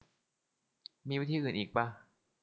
มีวิธีอื่นอีกปะ